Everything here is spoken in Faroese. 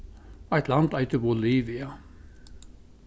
eitt land eitur bolivia